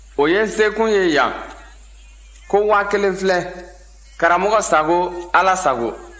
o ye n sekun ye yan ko waa kelen filɛ karamɔgɔ sago ala sago